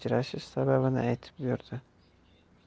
bilan ajralish sababini aytib berdi